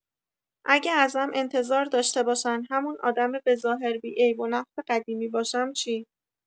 اگه ازم انتظار داشته باشن همون آدم به‌ظاهر بی عیب‌ونقص قدیمی باشم، چی؟